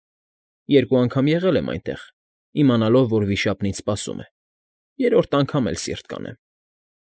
Երկու անգամ եղել եմ այնտեղ, իմանալով, որ վիշապն ինձ սպասում է, երրորդ անգամ էլ սիրտ կանեմ։